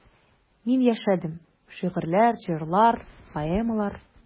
Мин яшәдем: шигырьләр, җырлар, поэмалар.